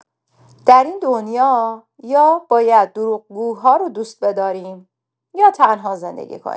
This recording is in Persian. در این دنیا، یا باید دروغگوها را دوست بداریم، یا تنها زندگی کنیم.